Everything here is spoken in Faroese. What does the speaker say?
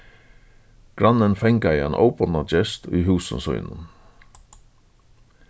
grannin fangaði ein óbodnan gest í húsum sínum